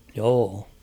joo